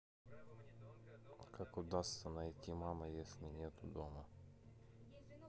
как удастся найти мама если ее нету дома